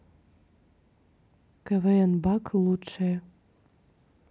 квн бак лучшее